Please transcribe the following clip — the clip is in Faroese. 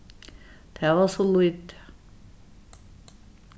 tað var so lítið